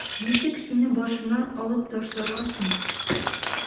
Ничек сине башымнан алып ташларга соң?